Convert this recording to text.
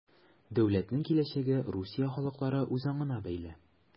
Дәүләтнең киләчәге Русия халыклары үзаңына бәйле.